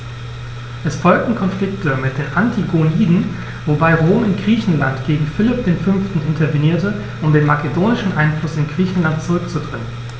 Es folgten Konflikte mit den Antigoniden, wobei Rom in Griechenland gegen Philipp V. intervenierte, um den makedonischen Einfluss in Griechenland zurückzudrängen.